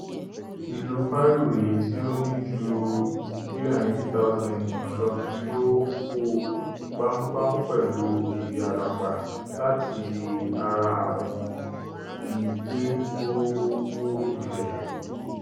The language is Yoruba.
Ìlú Palu, èyití ó ní ju 380,000 ènìyàn lọ, ni ó bò bámúbámú pẹ̀lú ògiri àlàpà láti ara àwọn ilé tówó lulẹ̵̀.